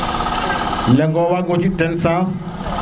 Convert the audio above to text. lego wago jeg teen chance